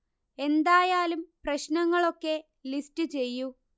എന്തായാലും പ്രശ്നങ്ങൾ ഒക്കെ ലിസ്റ്റ് ചെയ്യൂ